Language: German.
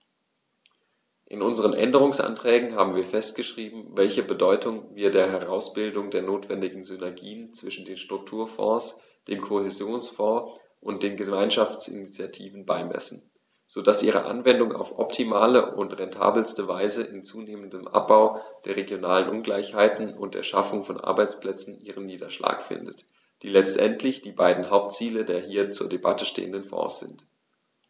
In unseren Änderungsanträgen haben wir festgeschrieben, welche Bedeutung wir der Herausbildung der notwendigen Synergien zwischen den Strukturfonds, dem Kohäsionsfonds und den Gemeinschaftsinitiativen beimessen, so dass ihre Anwendung auf optimale und rentabelste Weise im zunehmenden Abbau der regionalen Ungleichheiten und in der Schaffung von Arbeitsplätzen ihren Niederschlag findet, die letztendlich die beiden Hauptziele der hier zur Debatte stehenden Fonds sind.